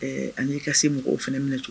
An'i ka se mɔgɔw fana minɛ cogo